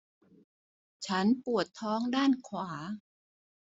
ฉันปวดท้องด้านขวา